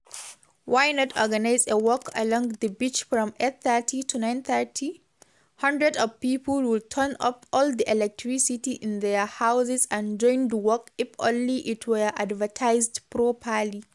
Why not organize a walk along the beach from 8:30 to 9:30 … hundreds of people would turn off all the electricity in their houses and join the walk if only it were advertised properly.